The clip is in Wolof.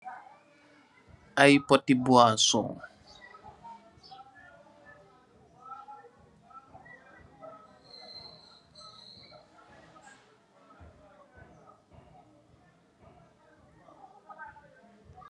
Ay poti buwaason